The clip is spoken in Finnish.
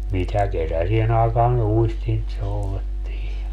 mitä kesäiseen aikaan uistinta soudettiin ja